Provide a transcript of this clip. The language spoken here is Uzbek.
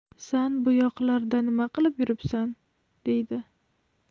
san bu yoqlarda nima qilib yuribsan deydi